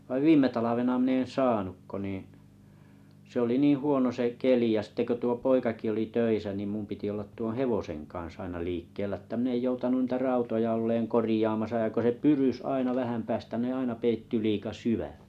vaan viime talvena minä en saanut kuin niin se oli niin huono se keli ja sitten kun tuo poikakin oli töissä niin minun piti olla tuon kanssa aina liikkeellä että minä en joutanut niitä olemaan korjaamassa ja kun se pyrysi aina vähän päästä ne aina peittyi liian syvälle